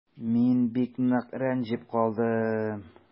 Мин бик нык рәнҗеп калдым.